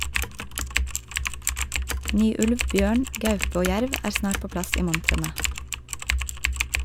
Ny ulv, bjørn, gaupe og jerv er snart på plass i montrene.